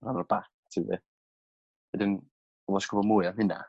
rhan o'r bac tydi? Wedyn oddo isio gwbo mwy a hyna